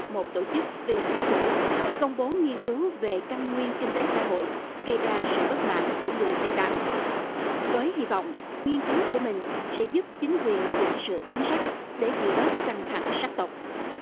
một tổ chức phi chính phủ công bố nghiên cứu về căn nguyên kinh tế xã hội gây ra sự bất mãn của người tây tạng với hy vọng nghiên cứu của mình sẽ giúp chính quyền chỉnh sửa chính sách để dịu bớt căng thẳng sắc tộc